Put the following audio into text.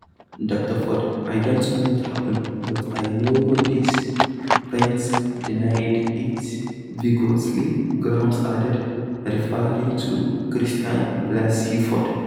"Dr. Ford, I don't know what happened, but I know this: Brett denied it vigorously," Graham added, referring to Christine Blasey Ford.